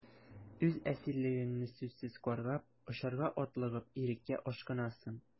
Үз әсирлегеңне сүзсез каргап, очарга атлыгып, иреккә ашкынасың...